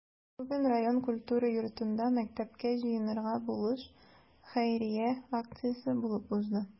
Бүген район культура йортында “Мәктәпкә җыенырга булыш” хәйрия акциясе булып узды.